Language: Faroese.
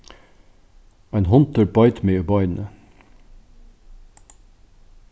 ein hundur beit meg í beinið